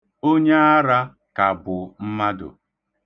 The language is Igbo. Onyaara ka bụ mmadụ.